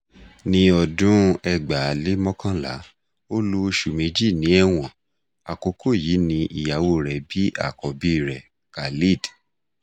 Ní ọdún 2011, ó lo oṣù méjì ní ẹ̀wọ̀n, àkókò yìí ni ìyàwóo rẹ̀ bí àkọ́bíi rẹ̀, Khaled.